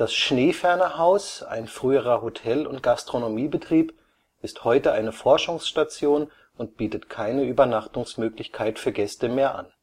Schneefernerhaus, ein früherer Hotel - und Gastronomiebetrieb, ist heute eine Forschungsstation und bietet keine Übernachtungsmöglichkeit für Gäste mehr an